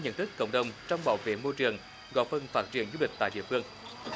nhận thức cộng đồng trong bảo vệ môi trường góp phần phát triển du lịch tại địa phương